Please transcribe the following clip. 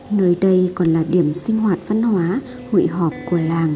nơi đây còn là điểm sinh hoạt văn hóa hội họp của làng